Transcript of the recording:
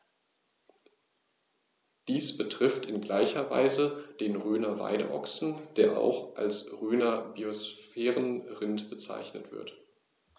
Dies betrifft in gleicher Weise den Rhöner Weideochsen, der auch als Rhöner Biosphärenrind bezeichnet wird.